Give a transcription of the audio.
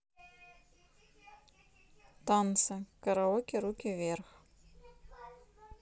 танцы караоке руки вверх